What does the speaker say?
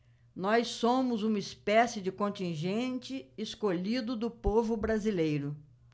nós somos uma espécie de contingente escolhido do povo brasileiro